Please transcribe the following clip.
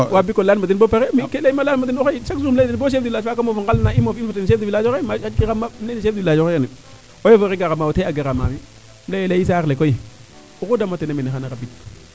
waa Bikole leyaan ma den boo pare ke leyma leyaan ma den o xaye chaque ;fra jour im leyna den bo chef village faa moof ngelna i moof in fo ten chef du village o xaye xaƴ kiraam maaɓ im leynee chef du village oxey xeene eaux et foret gara maa wo te a gara maa mi im leye leyi saax le koy oxuu damateena mene xana rabid